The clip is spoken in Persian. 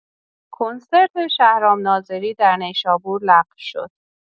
کنسرت شهرام ناظری در نیشابور لغو شد.